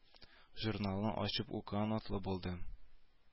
Журналын ачып укыган атлы булды